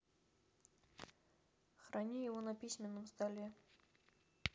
храни его на письменном столе